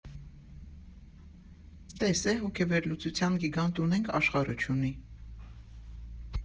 ֊ Տես է, հոգեվերլուծության գիգանտ ունենք, աշխարհը չունի…